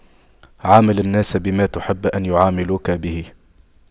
عامل الناس بما تحب أن يعاملوك به